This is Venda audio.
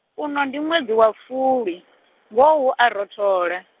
uno ndi ṅwedzi wa fulwi, ngoho hu a rothola.